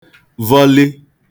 vọli